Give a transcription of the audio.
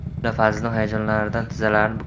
mulla fazliddin hayajonlanganidan tizzalari